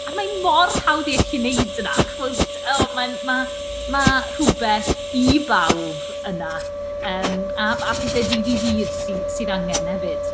A mae mor hawdd i allu wneud hynna. Chimod, o, mae'n... ma' ma' rhywbeth i bawb yna, yym, a a pethe dydd i ddydd sy sydd angen hefyd.